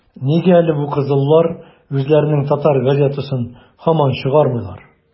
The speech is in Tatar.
- нигә әле бу кызыллар үзләренең татар газетасын һаман чыгармыйлар?